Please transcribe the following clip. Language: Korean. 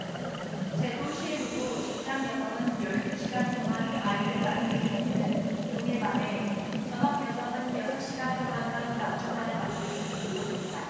제도 시행으로 직장여성은 열 두 시간 동안 아이를 맡길 수 있는 종일반에 전업여성은 여섯 시간 동안만 맞춤반에 맡길 수 있도록 했다